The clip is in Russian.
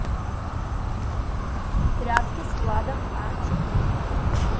прятки с владом а четыре